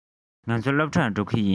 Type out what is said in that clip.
ང ཚོ སློབ གྲྭར འགྲོ གི ཡིན